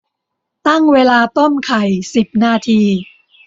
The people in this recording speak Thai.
ตั้งเวลาต้มไข่สิบนาที